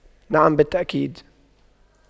نعم بالتأكيد